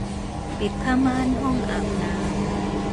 ปิดผ้าม่านห้องอาบน้ำ